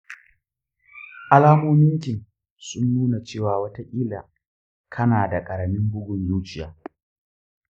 alamomin kin sun nuna cewa watakila kanada karamin bugun zuciya.